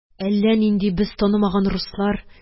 Әллә нинди без танымаган руслар,